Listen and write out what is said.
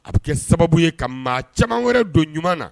A be kɛ sababu ye ka maa caman wɛrɛ don ɲuman na